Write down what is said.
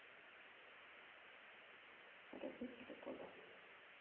родители года